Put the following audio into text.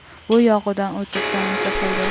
buyog'idan o'tib tomosha qildi